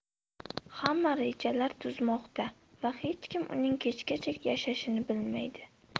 hamma rejalar tuzmoqda va hech kim uning kechgacha yashashini bilmaydi